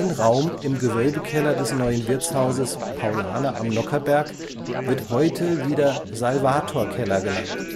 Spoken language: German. Raum im Gewölbekeller des neuen Wirtshauses Paulaner am Nockherberg wird heute wieder Salvatorkeller genannt